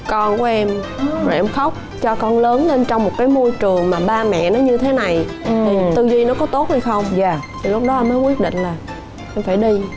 con của em rồi em khóc cho con lớn lên trong một cái môi trường mà ba mẹ nó như thế này thì tư duy nó có tốt hay không thì lúc đó mới quyết định là em phải đi